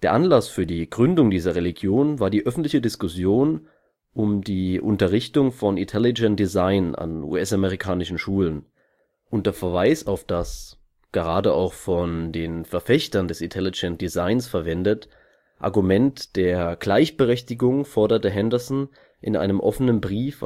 Anlass für die Gründung dieser Religion war die öffentliche Diskussion um die Unterrichtung von Intelligent Design an US-amerikanischen Schulen. Unter Verweis auf das – gerade auch von den Verfechtern des Intelligent Designs verwendete – Argument der Gleichberechtigung forderte Henderson in einem offenen Brief